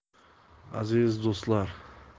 aziz do'stlar